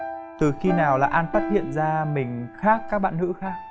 từ khi nào là an phát hiện ra mình khác các bạn nữ khác